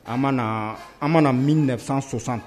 An an mana min na sɔsan